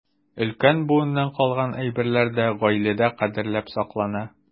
Өлкән буыннан калган әйберләр дә гаиләдә кадерләп саклана.